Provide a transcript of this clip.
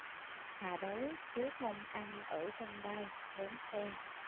thà đói chứ không ăn ở sân bay bến xe